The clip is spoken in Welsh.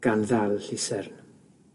gan ddal llusern.